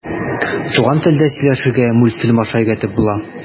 Туган телдә сөйләшергә мультфильм аша өйрәтеп була.